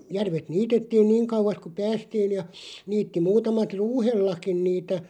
järvet niitettiin niin kauas kun päästiin ja niitti muutamat ruuhellakin niitä